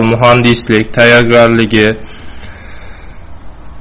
muhandislik tayyorgarligi